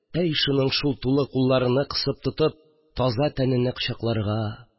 Әй шуның шул тулы кулларыны кысып тотып, таза тәнене кочакларга